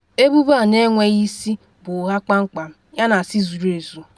Ebubo a n’enweghị isi bụ ụgha kpamkpam yana asị zuru ezu.”